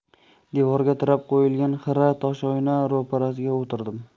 devorga tirab qo'yilgan xira toshoyna ro'parasiga o'tirdim